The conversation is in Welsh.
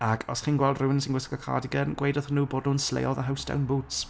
Ac os chi'n gweld rhywun sy'n gwisgo cardigan, gweud wrthon nhw bo' nhw'n sleio the house down boots.